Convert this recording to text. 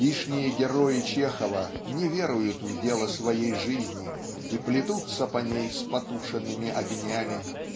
Лишние герои Чехова не веруют в дело своей жизни и плетутся по ней с потушенными огнями.